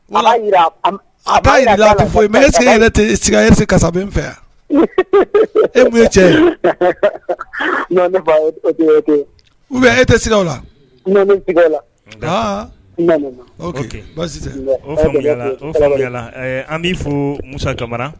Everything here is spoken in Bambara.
A jira ka fɔ mɛ ese kasa fɛ yan e tun ye cɛ u e tɛ sigi la an' fo musa jamana